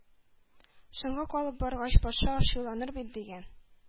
Соңга калып баргач, патша ачуланыр бит! — дигән.